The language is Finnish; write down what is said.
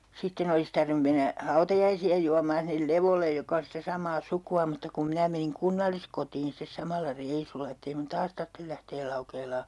sitten olisi tarvinnut mennä hautajaisia juomaan sinne Levolle joka on sitä samaa sukua mutta kun minä menin kunnalliskotiin sitten samalla reissulla että ei minun taas tarvitse lähteä Laukeelaan